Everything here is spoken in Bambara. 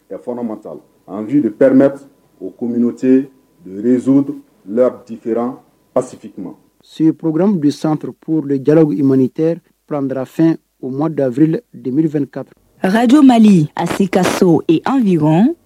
Fɔlɔ ma t'a anfi de pp-mete o komte reezo ladifɛran asifi kuma se ppurkw bɛ santurpurl jaw i maninteuranmedrafɛn u ma danfiri debmeri2 ka akajo mali a se ka se ee an yeɔrɔn